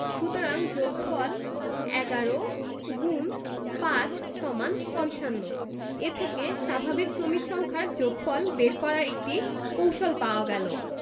সুতরাং যোগফল ১১*৫=৫৫ এ থেকে স্বাভাবিক ক্রমিক সংখ্যার যোগফল বের করার একটি কৌশল পাওয়া গেল